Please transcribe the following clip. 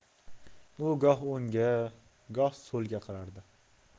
u goh o'ngga goh so'lga qarardi